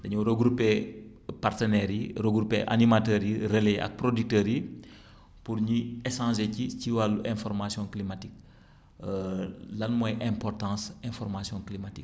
dañoo regrouper partenaires yi regrouper animateurs yi relais yi ak producteurs yi pour ñi échanger ci wàllu information climatique lan mooy importance information climatique